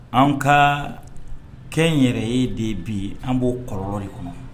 An ka kɛ yɛrɛ ye de bi an b'o kɔrɔ de kɔnɔ